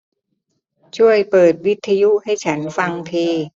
ช่วยเปิดวิทยุให้ฉันฟังที